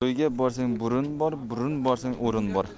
to'yga borsang burun bor burun borsang o'rin bor